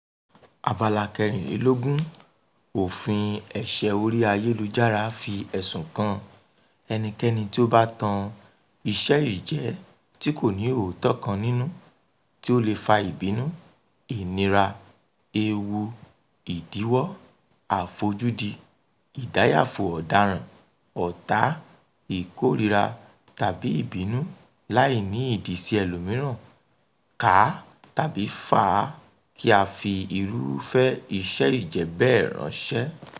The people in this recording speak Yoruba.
Abala 24 Òfin Ẹ̀ṣẹ̀ orí-ayélujára fi ẹ̀sùn kan "ẹnikẹ́ni tí ó bá tan iṣẹ́-ìjẹ́ tí kò ní òótọ́ kan nínú, tí ó lè fa ìbínú, ìnira, ewu, ìdíwọ́, àfojúdi, ìdáyàfò ọ̀daràn, ọ̀tá, ìkórìíra, tàbí ìbínú láì ní ìdí sí ẹlòmíràn ká tàbí fa kí a fi irúfẹ́ iṣẹ́-ìjẹ́ bẹ́ẹ̀ ránṣẹ́."